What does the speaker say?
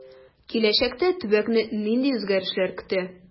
Киләчәктә төбәкне нинди үзгәрешләр көтә?